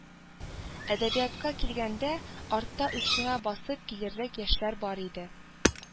Әдәбиятка килгәндә, артта үкчәңә басып килерлек яшьләр бар иде